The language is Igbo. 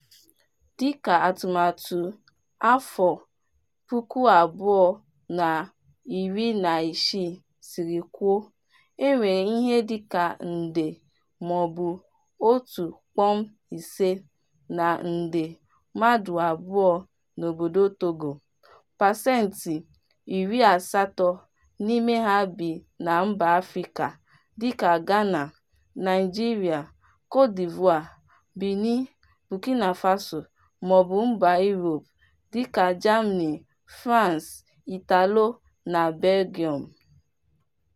Dịka atụmatụ 2016 siri kwuo, e nwere ihe dịka nde mmadụ 1.5 na nde mmadụ 2 n'obodo Togo, pasenti 80 n'ime ha bi na mba Afrịka dịka Ghana, Nigeria, Côte d'Ivoire, Benin, Burkina Faso, maọbụ mba Europe dịka Germany, France, Italy, na Belgium.